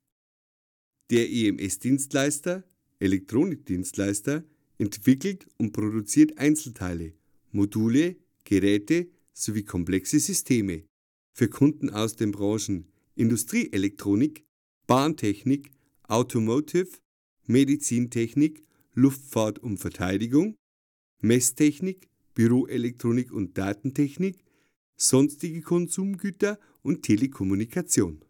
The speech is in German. Der EMS-Dienstleister (Elektronikdienstleister) entwickelt und produziert Einzelteile, Module, Geräte sowie komplexe Systeme für Kunden aus den Branchen Industrieelektronik, Bahntechnik, Automotive, Medizintechnik, Luftfahrt & Verteidigung, Messtechnik, Büroelektronik & Datentechnik, Sonstige Konsumgüter und Telekommunikation